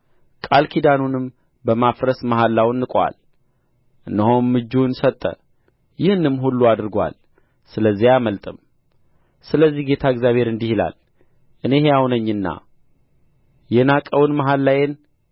ቃል ኪዳኑንም በማፍረስ መሐላውን ንቆአል እነሆም እጁን ሰጠ ይህንም ሁሉ አድርጎአል ስለዚህ አያመልጥም ስለዚህ ጌታ እግዚአብሔር እንዲህ ይላል እኔ ሕያው ነኝና የናቀውን መሐላዬን